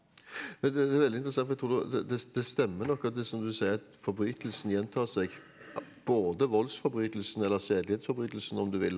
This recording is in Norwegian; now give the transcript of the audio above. det det det er veldig interessant for jeg tror du det det det det stemmer nok at det er som du sier at forbrytelsen gjentar seg både voldsforbrytelsen eller sedelighetsforbrytelsen om du vil.